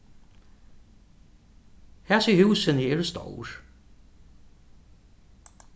hasi húsini eru stór